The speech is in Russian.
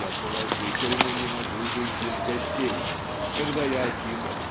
"Я положительно не могу жить без гостей. Когда я один